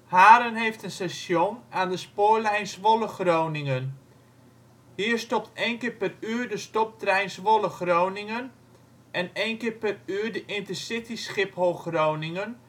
Haren heeft een station aan de spoorlijn Zwolle - Groningen. Hier stopt een keer per uur de stoptrein Zwolle - Groningen en een keer per uur de intercity Schiphol - Groningen